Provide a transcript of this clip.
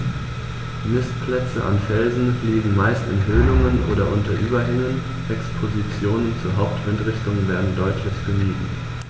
Nistplätze an Felsen liegen meist in Höhlungen oder unter Überhängen, Expositionen zur Hauptwindrichtung werden deutlich gemieden.